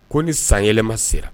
Ko ni sanyɛlɛma sera